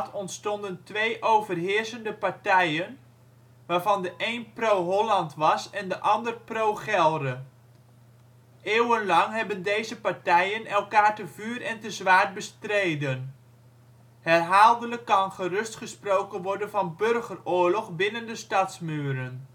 ontstonden twee overheersende partijen, waarvan de een pro-Holland was en de ander pro-Gelre. Eeuwenlang hebben deze partijen elkaar te vuur en te zwaard bestreden. Herhaaldelijk kan gerust gesproken worden van burgeroorlog binnen de stadsmuren